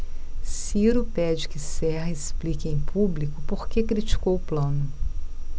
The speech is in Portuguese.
ciro pede que serra explique em público por que criticou plano